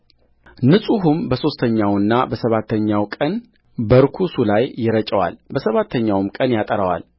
ንጹሑም በሦስተኛውና በሰባተኛው ቀን በርኩሱ ላይ ይረጨዋል ባሰባተኛውም ቀን ያጠራዋል